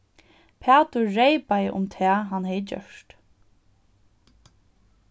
pætur reypaði um tað hann hevði gjørt